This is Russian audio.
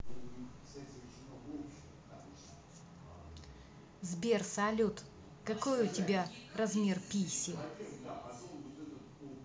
сбер салют а какой у тебя размер писи